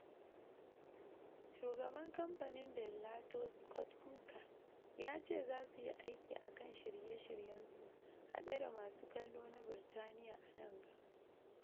Shugaban kamfanin Bellator, Scott Coker, ya ce za su yi aiki a kan shirye-shiryen su hade da masu kallo na Birtaniya a nan gaba.